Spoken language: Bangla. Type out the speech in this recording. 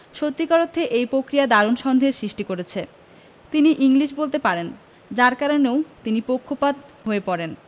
সত্যিকার অথ্যে এই পক্রিয়ায় দারুণ সন্দেহের শিষ্টি করেছে তিনি ইংলিশ বলতে পারেন যার কারণেও তিনি পক্ষপাত হয়ে পড়েন